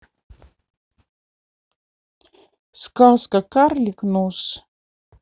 сказка карлик нос